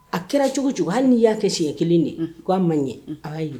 A kɛra cogo cogo''i y'a kɛ siɲɛ kelen de k' a man ɲɛ ala y'ayi